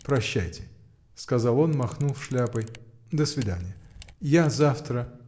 — Прощайте, — сказал он, махнув шляпой, — до свидания! Я завтра.